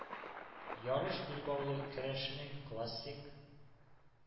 Ярыш билбаулы көрәшнең классик